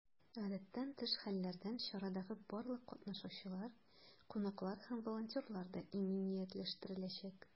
Гадәттән тыш хәлләрдән чарадагы барлык катнашучылар, кунаклар һәм волонтерлар да иминиятләштереләчәк.